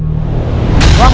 hoàng